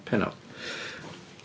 Pennawd .